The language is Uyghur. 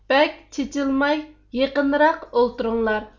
بەك چېچىلماي يېقىنراق ئولتۇرۇڭلار